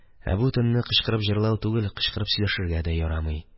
Ә бу төнне кычкырып җырлау түгел, кычкырып сөйләшергә дә ярамый.